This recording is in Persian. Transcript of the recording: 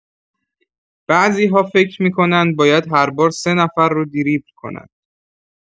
بعضی‌ها فکر می‌کنن باید هر بار سه نفر رو دریبل کنن.